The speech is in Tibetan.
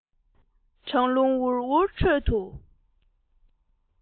གྲང རླུང འུར འུར ཁྲོད དུ